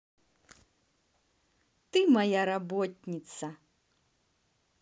ты моя работница